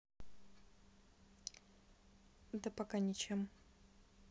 да пока ничем